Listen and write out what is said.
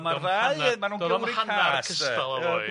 ...ma'r ddau yn... cystal o foi.